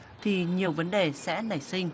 thì nhiều vấn đề sẽ nảy sinh